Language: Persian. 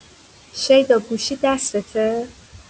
شیدا گوشی دستته؟